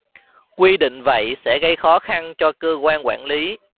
quy định vậy sẽ gây khó khăn cho cơ quan quản lý